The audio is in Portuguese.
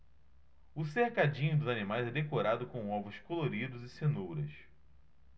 o cercadinho dos animais é decorado com ovos coloridos e cenouras